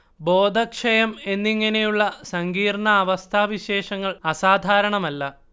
ബോധക്ഷയം എന്നിങ്ങനെയുള്ള സങ്കീർണ്ണ അവസ്ഥാവിശേഷങ്ങൾ അസാധാരണമല്ല